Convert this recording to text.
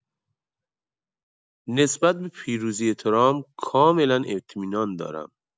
نسبت به پیروزی ترامپ کاملا اطمینان دارم.